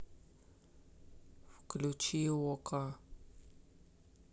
выключи окко